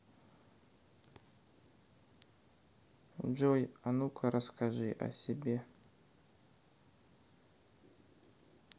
джой а ну ка расскажи о себе